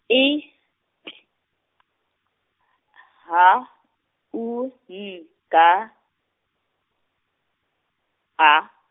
I, T , H, U, N, G, A.